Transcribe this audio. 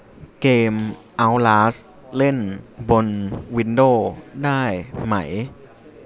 เกมเอ้าลาสเล่นบนวินโด้ได้ไหม